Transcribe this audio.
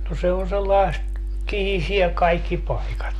no se on sellaista kihisee kaikki paikat